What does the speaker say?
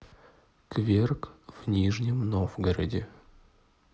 кверк в нижнем новгороде